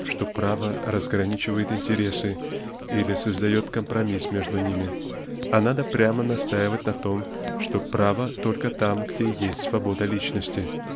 что право разграничивает интересы или создает компромисс между ними а надо прямо настаивать на том что право только там где есть свобода личности.